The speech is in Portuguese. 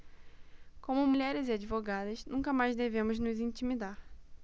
como mulheres e advogadas nunca mais devemos nos intimidar